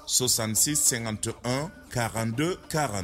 66 51 42 40